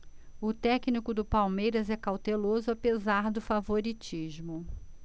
o técnico do palmeiras é cauteloso apesar do favoritismo